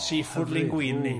Seafood linguini.